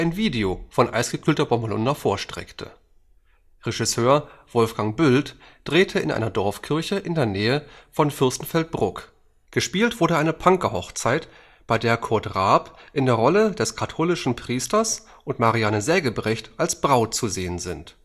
Video von Eisgekühlter Bommerlunder vorstreckte. Regisseur Wolfgang Büld drehte in einer Dorfkirche in der Nähe von Fürstenfeldbruck. Gespielt wurde eine Punker-Hochzeit, bei der Kurt Raab in der Rolle eines katholischen Priesters und Marianne Sägebrecht als Braut zu sehen sind